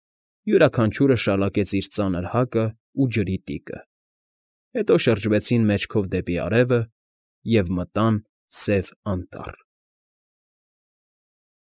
Յուրաքանչյուրը շալակեց իր ծանր հակն ու ջրի տիկը, հետո շրջվեցին մեջքով դեպի արևը և մտան Սև Անտառ։